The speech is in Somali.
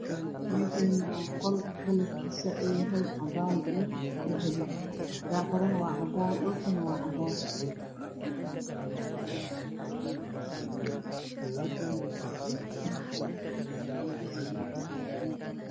Meshani waa qol kalarkisu yahay cadan iyo dahabi daqaduhu waa cadan dhulkana waa cadan